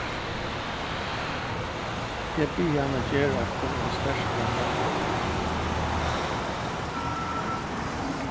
eg biði hana gera okkum ein sterkan kaffimunn